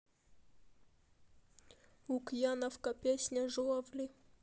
лукьяновка песня журавли